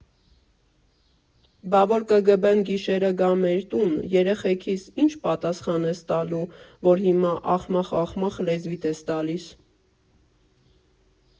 Բա որ ԿԳԲ֊ն գիշերը գա մեր տուն, երեխեքիս ի՞նչ պատասխան ես տալու, որ հիմա ախմախ֊ախմախ լեզվիդ ես տալիս։